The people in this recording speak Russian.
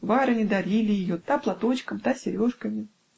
Барыни дарили ее, та платочком, та сережками.